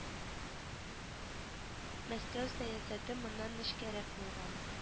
Мәскәү сәясәте моннан нечкәрәк булган